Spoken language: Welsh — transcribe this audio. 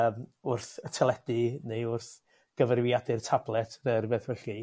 yym wrth y teledu neu wrth gyfariwiadur tablet ne' rywbeth felly